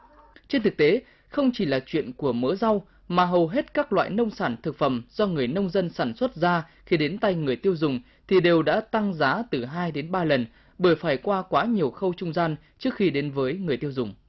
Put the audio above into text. trên thực tế không chỉ là chuyện của mớ rau mà hầu hết các loại nông sản thực phẩm do người nông dân sản xuất ra khi đến tay người tiêu dùng thì đều đã tăng giá từ hai đến ba lần bởi phải qua quá nhiều khâu trung gian trước khi đến với người tiêu dùng